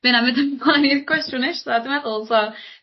mla'n i'r gwestiwn nesa dwi meddwl so